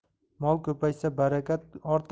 mol ko'paysa barakat